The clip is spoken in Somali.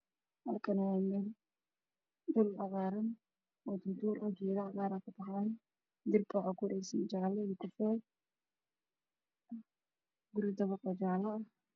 Waa sawir farshaxan waxa uu ka turjumayaa guri midabkiisa yahay cagaar geedo ayaa ka hoos baxaayo